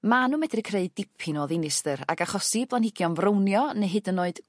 ma' n'w medru creu dipyn o ddinistr ag achosi blanhigion frownio ne' hyd yn oed